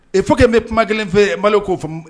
Ɛ fokɛ bɛ kuma kelen fɛ mali k'o fɔ